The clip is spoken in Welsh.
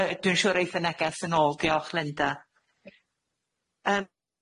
Yy dwi'n siŵr eith y neges yn ôl diolch Linda.